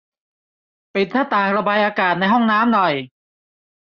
ปิดหน้าต่างระบายอากาศในห้องน้ำหน่อย